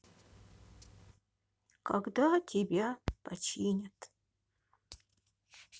когда тебя починят